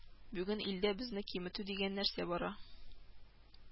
Бүген илдә безне киметү дигән нәрсә бара